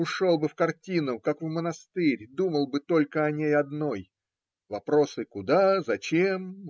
ушел бы в картину, как в монастырь, думал бы только о ней одной. Вопросы: куда? зачем?